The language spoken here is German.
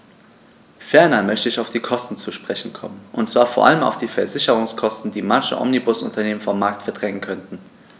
Ferner möchte ich auf die Kosten zu sprechen kommen, und zwar vor allem auf die Versicherungskosten, die manche Omnibusunternehmen vom Markt verdrängen könnten.